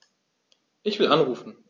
Ich will anrufen.